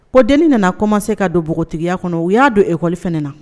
Ko denin nana commencer ka don npogotigiya kɔnɔ u y'a don école fana na